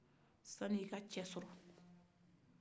sani i ka cɛ sɔrɔ